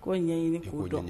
Ko ɲɛɲini k'o dɔn